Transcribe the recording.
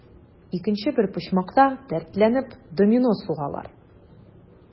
Икенче бер почмакта, дәртләнеп, домино сугалар.